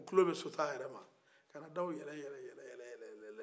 o kilen bɛ bɔ a yɛrɛ ma ka na daw yɛlɛ yɛlɛ